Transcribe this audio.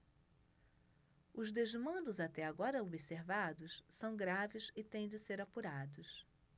os desmandos até agora observados são graves e têm de ser apurados